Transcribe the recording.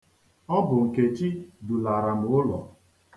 Ọ bụ Nkechi dulara m ụlọ.